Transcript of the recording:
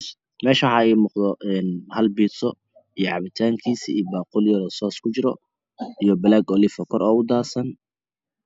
Mashan waa yalo mis kalar kisi waa cadan waxaa saran bisse kalar kedo yahay cades iyo dahabi waxaa mesh saran cabitan kalar kisi yahay jale iyo cagar